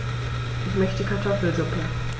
Ich möchte Kartoffelsuppe.